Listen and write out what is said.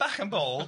Bach yn bold.